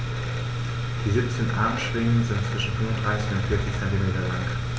Die 17 Armschwingen sind zwischen 35 und 40 cm lang.